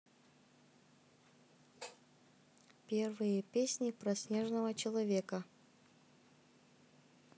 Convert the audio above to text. первые песни про снежного человека